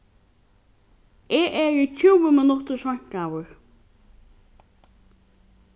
eg eri tjúgu minuttir seinkaður